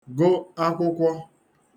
gụ akwụkwọ